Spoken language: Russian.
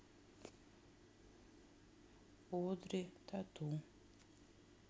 одри тату